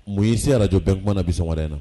Mun' se arajɔ bɛɛkumana na bɛ wɛrɛ in na